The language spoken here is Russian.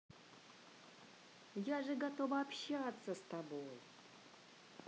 я тоже готова общаться с тобой